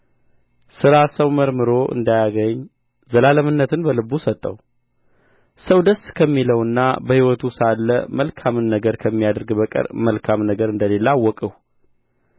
ሥራ ሰው መርምሮ እንዳያገኝ ዘላለምነትን በልቡ ሰጠው ሰው ደስ ከሚለውና በሕይወቱ ሳለ መልካምን ነገር ከሚያደርግ በቀር መልካም ነገር እንደሌለ አወቅሁ